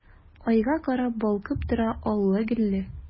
Айга карап балкып тора аллы-гөлле!